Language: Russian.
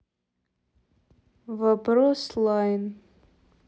вопрос лайн